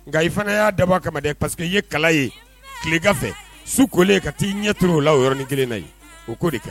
Nka i fana y'a daba kamad pari que ye kala ye tile ga kɔfɛ su k kolen ka t'i ɲɛto o la yɔrɔɔrɔn ni kelen na ye o ko de kɛ